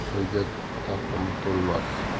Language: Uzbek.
toyga taqimi to'lmas